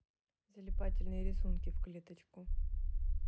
залипательные рисунки в клеточку